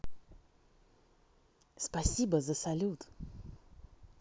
спасибо за салют